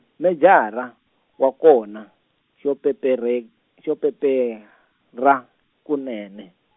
mejara, wa kona, xo peperhe- xo peperha, kunene.